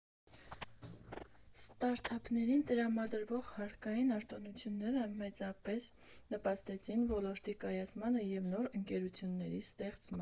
Ստարտափներին տրամադրվող հարկային արտոնությունները մեծապես նպաստեցին ոլորտի կայացմանը և նոր ընկերությունների ստեղծմանը։